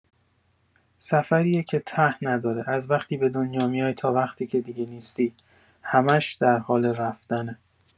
سفریه که ته نداره، از وقتی به دنیا میای تا وقتی که دیگه نیستی، همش در حال رفتنه.